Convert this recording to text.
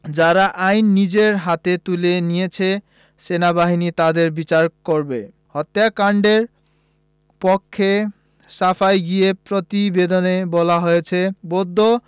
যারা আইন নিজের হাতে তুলে নিয়েছে সেনাবাহিনী তাদের বিচার করবে হত্যাকাণ্ডের পক্ষে সাফাই গেয়ে প্রতিবেদনে বলা হয়েছে বৌদ্ধ